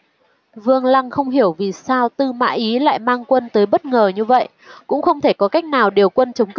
vương lăng không hiểu vì sao tư mã ý lại mang quân tới bất ngờ như vậy cũng không thể có cách nào điều quân chống cự